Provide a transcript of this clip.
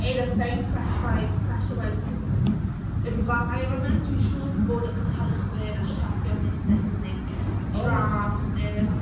In a very pressuri- pressurised si- environment dwi'n siŵr bod y cynhyrchwyr yn siapio pethau to make... o ie ...drama a bob dim.